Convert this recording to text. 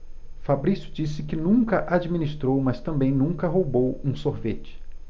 fabrício disse que nunca administrou mas também nunca roubou um sorvete